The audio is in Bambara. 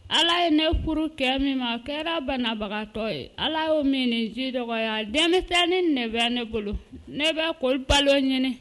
Ala ye ne furu kɛ min ma kɛra banabagatɔ ye Ala y'o minniji dɔgɔya denmisɛnninw de bɛ ne bolo ne bɛ k'olu balo ɲini